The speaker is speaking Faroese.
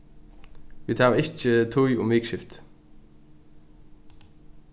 vit hava ikki tíð um vikuskiftið